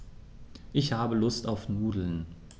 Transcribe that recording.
Ich habe Lust auf Nudeln.